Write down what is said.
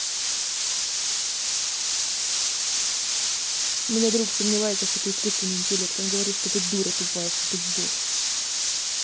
у меня друг сомневается что ты искусственный интеллект он говорит что ты дура тупая что ты бот